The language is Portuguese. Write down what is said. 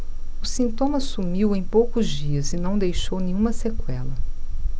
o sintoma sumiu em poucos dias e não deixou nenhuma sequela